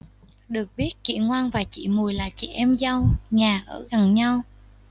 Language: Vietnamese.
được biết chị ngoan và chị mùi là chị em dâu nhà ở gần nhau